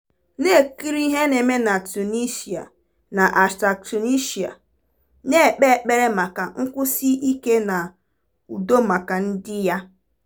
Na-ekiri ihe na-eme na #Tunisia na-ekpe ekpere maka nkwụsi ike na udo maka ndị ya.